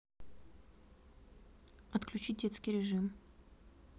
отключить детский режим